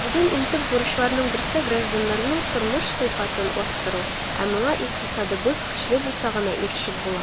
Бүген иң төп бурычларның берсе - гражданнарның тормыш сыйфатын арттыру, ә моңа икътисадыбыз көчле булса гына ирешеп була.